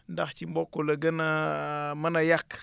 ndax ci mboq la gën a mën a yàq